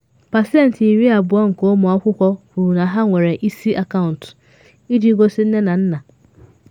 Pasentị iri abụọ nke ụmụ akwụkwọ kwuru na ha nwere “isi” akaụntụ iji gosi nne na nna